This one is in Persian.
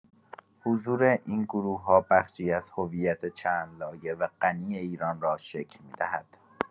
حضور این گروه‌ها بخشی از هویت چندلایه و غنی ایران را شکل می‌دهد.